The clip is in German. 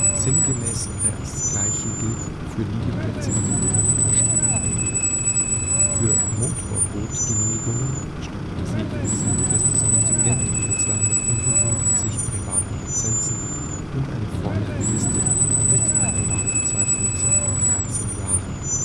Sinngemäß das Gleiche gilt für Liegeplätze an Bojen oder Stegen. Für Motorbootgenehmigungen am Starnberger See gibt es ein festes Kontingent von 255 privaten Lizenzen und eine Vormerkliste mit einer Wartezeit von ca. 13 Jahren